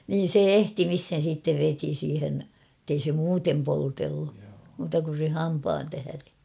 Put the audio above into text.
niin se ehtimiseen sitten veti siihen että ei se muuten poltellut muuta kuin sen hampaan tähden